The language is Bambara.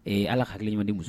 Ee ala hakiliki ɲɔ muso